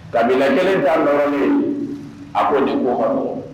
Kabila kelen ta nɔgɔlen, a ko nin ko ka nɔgɔn.